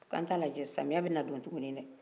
ko anw tɛ a lajɛ samiiyɛ bɛna don tuguni dɛɛ